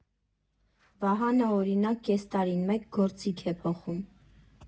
Վահանը, օրինակ, կես տարին մեկ գործիք է փոխում։